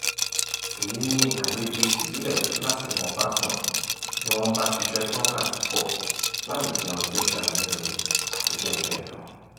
Èyí ni àyè fi sílẹ̀ láti lè rí wọn bá sùn bí wọn bá ń ṣiṣẹ́ fún wákàtí púpọ̀, láì jẹun tí ó ṣe ara ní oore, àti bẹ́ẹ̀ bẹ́ẹ̀ lọ.